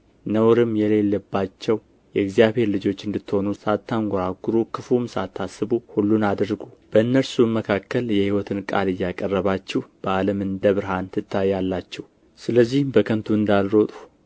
ነውርም የሌለባቸው የእግዚአብሔር ልጆች እንድትሆኑ ሳታንጐራጉሩ ክፉም ሳታስቡ ሁሉን አድርጉ በእነርሱም መካከል የሕይወትን ቃል እያቀረባችሁ በዓለም እንደ ብርሃን ትታያላችሁ ስለዚህም በከንቱ እንዳልሮጥሁ